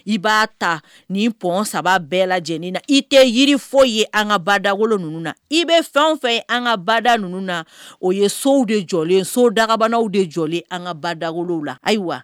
I b'a ta ni p saba bɛɛ lajɛlen na i tɛ yiri fɔ ye an ka bada ninnu na i bɛ fɛn fɛ ye an ka bada ninnu na o ye sow de jɔlen so dagabanaw de jɔ an ka badakolo la ayiwa